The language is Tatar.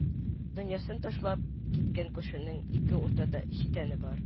Дөньясын ташлап киткән күршенең ике уртада читәне бар